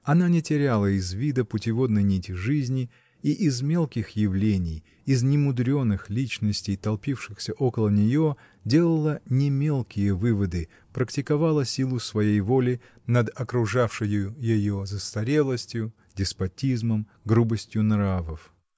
Она не теряла из вида путеводной нити жизни, и из мелких явлений, из немудреных личностей, толпившихся около нее, делала немелкие выводы, практиковала силу своей воли над окружавшею ее застарелостью, деспотизмом, грубостью нравов.